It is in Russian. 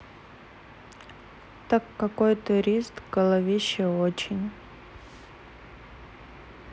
так какой турист головище очень